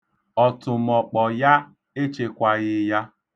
Ọtụmọkpọ ya echekwaghị ya.